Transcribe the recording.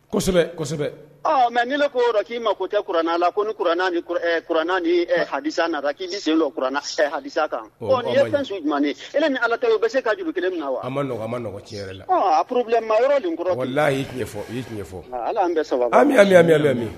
Mɛ n'i ko k'i ma ko cɛ kuran la ko ni kuran kuran ha k'i sen ha kan jumɛn ala bɛ se k kaa kelen min na wama nɔgɔ yɛrɛ labi yɔrɔ fɔ ala saba